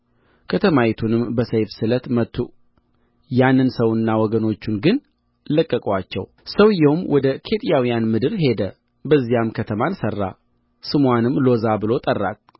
ከተማይቱንም በሰይፍ ስለት መቱ ያንን ሰውና ወገኖቹን ግን ለቀቁአቸው ሰውየውም ወደ ኬጢያውያን ምድር ሄደ በዚያም ከተማን ሠራ ስምዋንም ሎዛ ብሎ ጠራት